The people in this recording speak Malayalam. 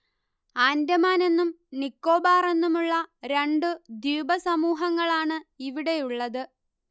ആൻഡമാൻ എന്നും നിക്കോബാർ എന്നുമുള്ള രണ്ടു ദ്വീപുസമൂഹങ്ങളാണ് ഇവിടെയുള്ളത്